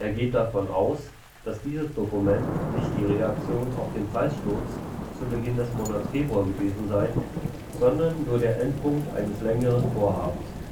geht davon aus, dass dieses Dokument nicht die Reaktion auf den Preissturz zu Beginn des Monats Februar gewesen sei, sondern nur der Endpunkt eines längeren Vorhabens